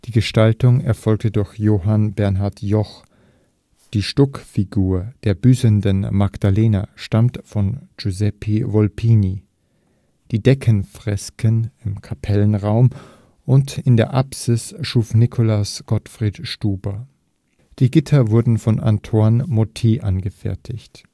Gestaltung erfolgte durch Johann Bernhard Joch, die Stuckfigur der Büßenden Magdalena stammt von Giuseppe Volpini, die Deckenfresken im Kapellenraum und in der Apsis schuf Nikolaus Gottfried Stuber. Die Gitter wurden von Antoine Motté angefertigt